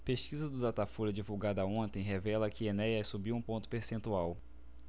pesquisa do datafolha divulgada ontem revela que enéas subiu um ponto percentual